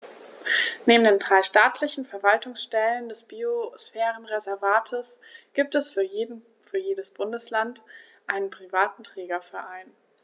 Neben den drei staatlichen Verwaltungsstellen des Biosphärenreservates gibt es für jedes Bundesland einen privaten Trägerverein.